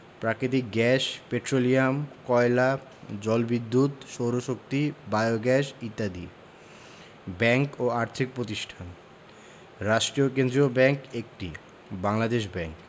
প্রাকৃতিক gas petroleum কয়লা জলবিদ্যুৎ সৌরশক্তি বায়োগ্যাস ইত্যাদি ব্যাংক ও আর্থিক প্রতিষ্ঠানঃ রাষ্ট্রীয় কেন্দ্রীয় ব্যাংক ১টি বাংলাদেশ ব্যাংক